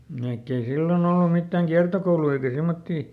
vaikka ei silloin ollut mitään kiertokouluja eikä semmoisia